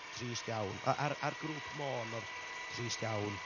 trist iawn, a ar ar grŵp Môn oedd o "trist iawn".